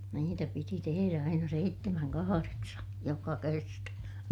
niitä piti tehdä aina seitsemän kahdeksan joka kerta